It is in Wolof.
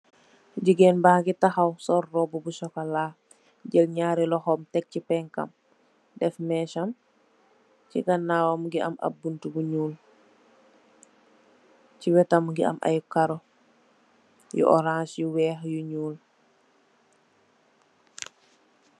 Jigeen bangi takhaw sul robu bu chocola. Feel nyarii loxhom daf ci penkam, daf mesam. Ci ganawam mungi am buntu bu ñuul. Ci wetam mungi am karo yu orange, yu weex, yu ñuul.